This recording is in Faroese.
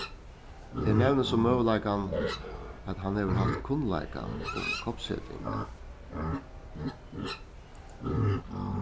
eg nevni so møguleikan at hann hevur havt kunnleika um koppseting